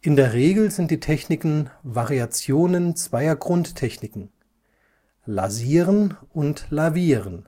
In der Regel sind die Techniken Variationen zweier Grundtechniken: Lasieren und Lavieren